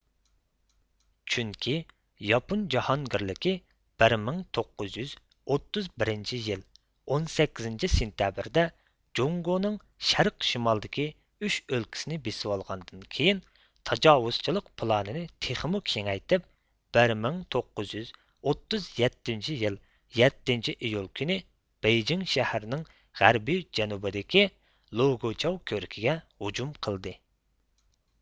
چۈنكى ياپون جاھانگىرلىكى بىر مىڭ توققۇز يۈز ئوتتۇز بىرىنچى يىل ئون سەككىزىنچى سېنتەبىردە جۇڭگونىڭ شەرق شىمالدىكى ئۈچ ئۆلكىسىنى بېسىۋالغاندىن كېيىن تاجاۋۇزچىلىق پىلانىنى تېخىمۇ كېڭەيتىپ بىر مىڭ توققۇز يۈز ئوتتۇز يەتتىنچى يىل يەتتىنچى ئىيۇل كۈنى بېيجىڭ شەھىرىنىڭ غەربىي جەنۇبىدىكى لۇگۇچياۋ كۆۋرۈكىگە ھۇجۇم قىلدى